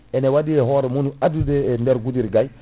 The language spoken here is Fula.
ene waɗi e hoore mum addude e Goudiry gayi